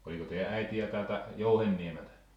oliko teidän äiti ja täältä Jouhenniemeltä